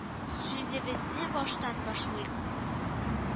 Сүзебезне баштан башлыйк